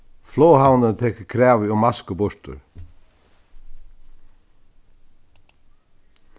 floghavnin tekur kravið um masku burtur